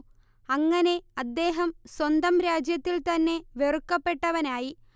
അങ്ങനെ അദ്ദേഹം സ്വന്തം രാജ്യത്തിൽ തന്നെ വെറുക്കപ്പെട്ടവനായി